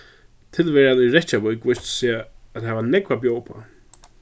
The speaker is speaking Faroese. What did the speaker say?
tilveran í reykjavík vísti seg at hava nógv at bjóða uppá